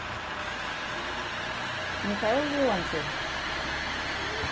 михаил леонтьев